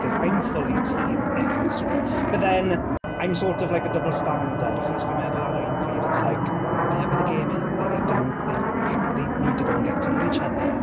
Because I'm fully team Ekin-Su. But then, I'm sort of like a double standard achos fi'n meddwl ar un pryd it's like, yeah, but the game is they get to...they ha- they need to go and get to know each other.